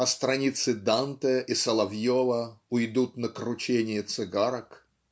а страницы Данте и Соловьева уйдут на кручение цигарок.